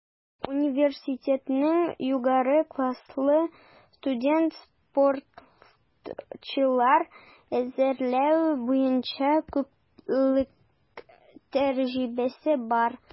Университетның югары класслы студент-спортчылар әзерләү буенча күпьеллык тәҗрибәсе бар.